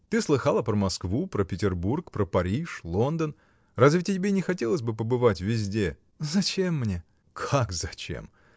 Ты слыхала про Москву, про Петербург, про Париж, Лондон: разве тебе не хотелось бы побывать везде? — Зачем мне? — Как зачем!